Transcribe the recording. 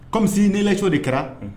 Kɔmimi nilɛcɛ de kɛra